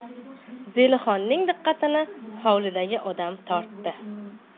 zelixonning diqqatini hovlidagi odam tortdi